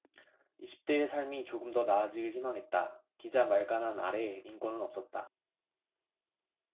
이십 대의 삶이 조금 더 나아지길 말가난 아래 인권은 없었다